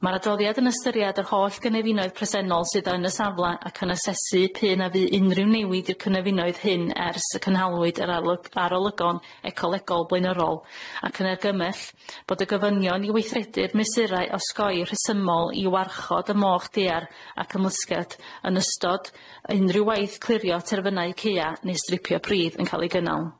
Ma'r adroddiad yn ystyriad yr holl gynefinoedd presennol sydd yn y safla ac yn asesu pu na fu unrhyw newid i'r cynefinoedd hyn ers y cynhalwyd yr aly- arolygon ecolegol blaenorol ac yn argymell bod y gofynion i weithredu'r mesurau osgoi rhesymol i warchod y moch daear ac ymlusgiad yn ystod unrhyw waith clirio terfynnau ceua ne' stripio pridd yn ca'l 'i gynnal.